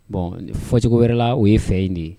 Bɔn fɔcogo wɛrɛ la o ye fɛ in de ye